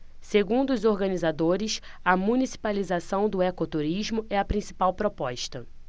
segundo os organizadores a municipalização do ecoturismo é a principal proposta